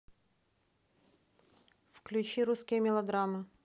включи русские мелодрамы